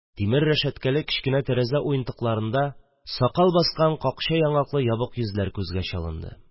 Тимер рәшәткәле кечкенә тәрәзә уентыкларында сакал баскан какча яңаклы ябык йөзләр күзгә чалынды.